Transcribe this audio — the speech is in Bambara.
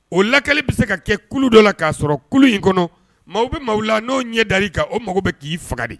O lakali bɛ se ka kɛ kulu dɔ la k'a sɔrɔ kulu in kɔnɔ maaw bɛ maaw la n'o ɲɛ dar'i kan, o mago bɛ k'i faga de!